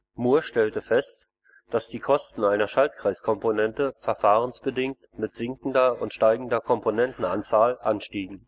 Moore stellte fest, dass die Kosten einer Schaltkreiskomponente verfahrensbedingt mit sinkender und steigender Komponentenanzahl anstiegen